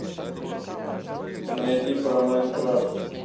найди про майнкрафт